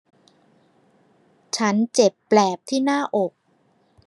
ฉันเจ็บแปลบที่หน้าอก